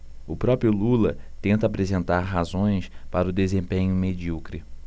o próprio lula tenta apresentar razões para o desempenho medíocre